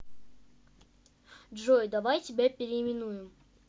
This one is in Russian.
джой давай тебя переименуем